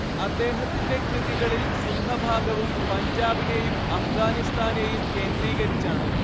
അദ്ദേഹത്തിന്റെ കൃതികളിൽ സിംഹഭാഗവും പഞ്ചാബിനെയും അപ്ഗാനിസ്ഥാനെയും കേന്ദ്രീകരിച്ചാണ്